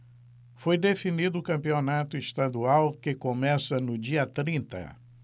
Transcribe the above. foi definido o campeonato estadual que começa no dia trinta